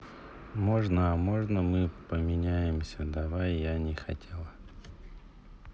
можно а можно мы поменяемся давай я не хотела